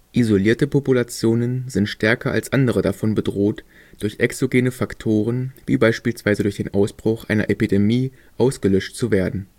Isolierte Populationen sind stärker als andere davon bedroht, durch exogene Faktoren wie beispielsweise durch den Ausbruch einer Epidemie ausgelöscht zu werden